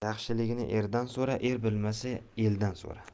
yaxshilikni erdan so'ra er bilmasa eldan so'ra